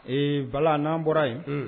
Ee Bala n'an bɔra yen